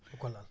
bu ko laal